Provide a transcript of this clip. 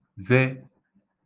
ze